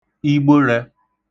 igbə̣rẹ̄